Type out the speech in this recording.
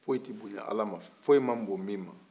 foyi tɛ bonya ala man foyi ma bon min man